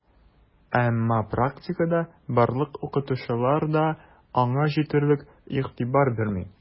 Әмма практикада барлык укытучылар да аңа җитәрлек игътибар бирми: